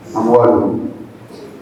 An bɔra